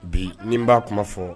Bi ni n b'a kuma fɔ